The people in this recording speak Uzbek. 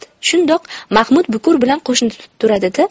shundoq mahmud bukur bilan qo'shni turadi da